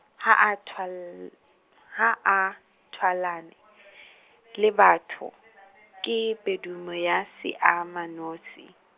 ha a thwal-, ha a tlwaelane le batho ke bedumo ya seama notshi.